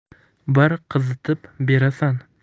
bir qizitib berasan